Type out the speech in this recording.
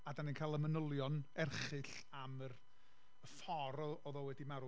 a dan ni'n cael y manylion erchyll am yr y ffordd oedd o wedi marw.